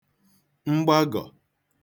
mgbagọ̀